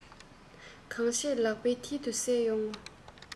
གང བྱས ལག པའི མཐིལ དུ གསལ ཡོང ངོ